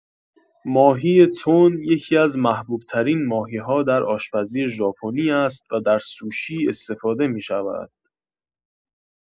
ماهی تن یکی‌از محبوب‌ترین ماهی‌ها در آشپزی ژاپنی است و در سوشی استفاده می‌شود.